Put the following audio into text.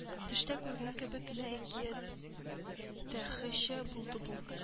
Төштә күргән кебек кенә әкият тәһечә булды бу